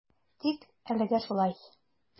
Тик әлегә шулай.